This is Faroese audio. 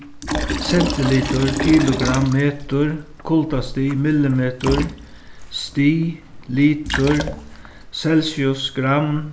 sentilitur kilogramm metur kuldastig millimetur stig litur celsius gramm